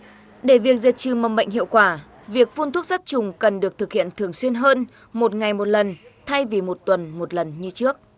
để việc diệt trừ mầm bệnh hiệu quả việc phun thuốc sát trùng cần được thực hiện thường xuyên hơn một ngày một lần thay vì một tuần một lần như trước